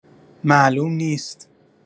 معلوم نیست